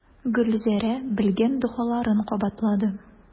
Гөлзәрә белгән догаларын кабатлады.